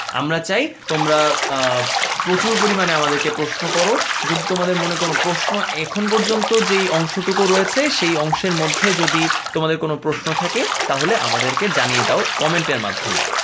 আমরা চাই তোমরা প্রচুর পরিমাণে আমাদেরকে প্রশ্ন কর যদি তোমাদের মনে কোন প্রশ্ন এখন পর্যন্ত যে অংশটুকু রয়েছে সেই অংশের মধ্যে যদি তোমাদের কোন প্রশ্ন থাকে তাহলে আমাদেরকে জানিয়ে দাও কমেন্টের মাধ্যমে